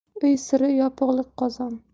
uy siri yopig'lik qozon